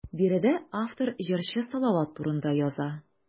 Биредә автор җырчы Салават турында яза.